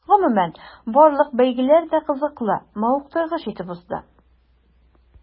Гомумән, барлык бәйгеләр дә кызыклы, мавыктыргыч итеп узды.